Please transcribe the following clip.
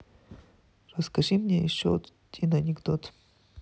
расскажи мне еще один анекдот